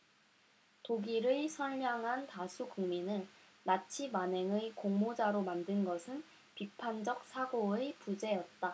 독일의 선량한 다수 국민을 나치 만행의 공모자로 만든 것은 비판적 사고의 부재였다